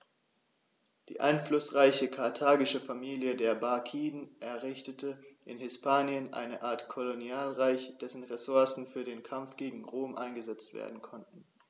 Die einflussreiche karthagische Familie der Barkiden errichtete in Hispanien eine Art Kolonialreich, dessen Ressourcen für den Kampf gegen Rom eingesetzt werden konnten.